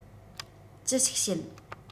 ཅི ཞིག བྱེད